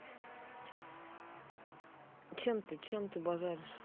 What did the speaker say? чем ты чем ты базаришь